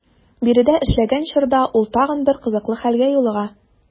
Биредә эшләгән чорда ул тагын бер кызыклы хәлгә юлыга.